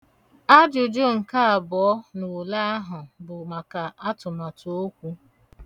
Ajụjụ nke abụọ n'ule ahụ bụ maka atụmatụokwu.